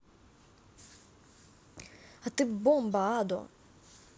а ты бомба адо